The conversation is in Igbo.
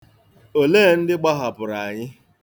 Olee ndị gbahapụrụ anyị